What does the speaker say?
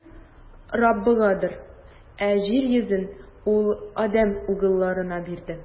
Күк - Раббыгадыр, ә җир йөзен Ул адәм угылларына бирде.